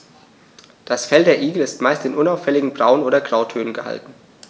Das Fell der Igel ist meist in unauffälligen Braun- oder Grautönen gehalten.